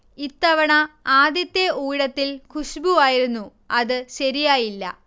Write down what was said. ഇത്തവണ ആദ്യത്തെ ഊഴത്തിൽ ഖുശ്ബുവായിരുന്നു. അത് ശരിയായില്ല